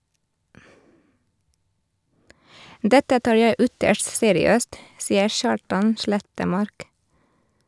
Dette tar jeg ytterst seriøst, sier Kjartan Slettemark.